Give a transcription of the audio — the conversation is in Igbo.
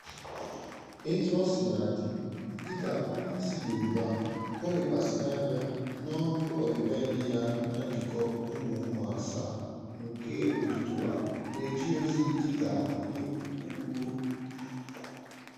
Etuọsinadị, dịka onye isi Yorùbá, o lekwasịrị anya n'ọrụ ọdịbendị ya na ijikọ ụmụ ụmụ asaa nke Odùduwa, na-eje ozi dị ka onye ogbugbo.